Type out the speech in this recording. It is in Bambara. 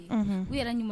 U yɛrɛ ɲuman